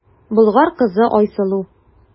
Болгар кызы Айсылу.